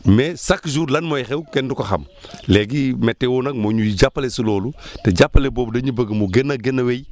mais chaque jour lan mooy xew kenn du ko xam léegi météo nag moo ñuy jàppale si loolu te jàppale boobu dañuy bëgg mu gën a gën a wéy